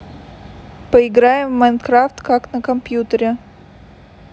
поиграем в minecraft как на компьютере